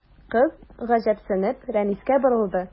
Кыз, гаҗәпсенеп, Рәнискә борылды.